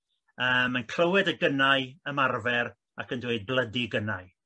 a mae'n clywed y gynnau ymarfer ac yn dweud blydi gynnau.